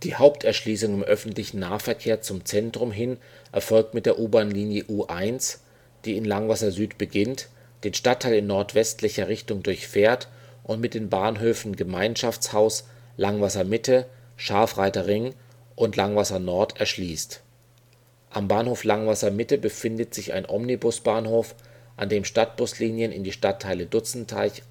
Haupterschließung im öffentlichen Nahverkehr zum Zentrum hin erfolgt mit der U-Bahnlinie U1, die in Langwasser Süd beginnt, den Stadtteil in nordwestlicher Richtung durchfährt und mit den Bahnhöfen Gemeinschaftshaus, Langwasser Mitte, Scharfreiterring und Langwasser Nord erschließt. Am Bahnhof Langwasser Mitte befindet sich ein Omnibusbahnhof, an dem Stadtbuslinien in die Stadtteile Dutzendteich